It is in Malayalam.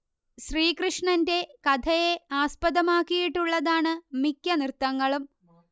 ശ്രീകൃഷ്ണന്റെ കഥയെ ആസ്പദമാക്കിയുള്ളതാണ് മിക്ക നൃത്തങ്ങളും